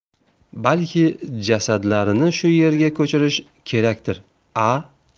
balki jasadlarini shu yerga ko'chirish kerakdir a